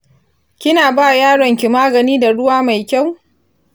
kina ba yaronki magani da ruwa mai kyau?